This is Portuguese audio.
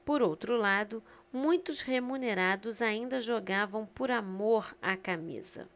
por outro lado muitos remunerados ainda jogavam por amor à camisa